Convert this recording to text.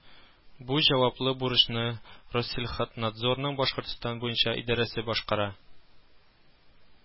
Бу җаваплы бурычны Россельхознадзорның Башкортстан буенча идарәсе башкара